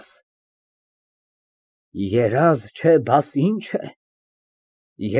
ԱՆԴՐԵԱՍ ֊ Երազ չէ, բաս ինչ է։